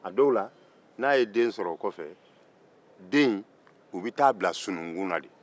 a dɔw la n'aa ye den sɔrɔ o kɔfɛ den n u beɛ taa bila sununkun na de